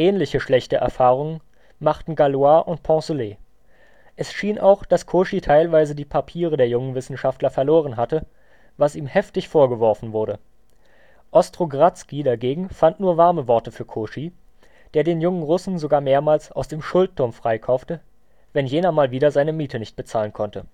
Ähnliche schlechte Erfahrungen machten Galois und Poncelet. Es schien auch, dass Cauchy teilweise die Papiere der jungen Wissenschaftler verloren hatte, was ihm heftig vorgeworfen wurde. Ostrogradski dagegen fand nur warme Worte für Cauchy, der den jungen Russen sogar mehrmals aus dem Schuldturm freikaufte, wenn jener mal wieder seine Miete nicht bezahlen konnte